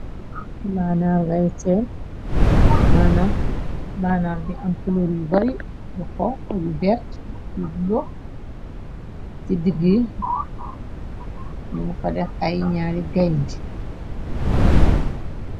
nnanabannar bi amxulur yu bari yoxo yu vert yudo ci diggi nimu fadex ay ñaari ganti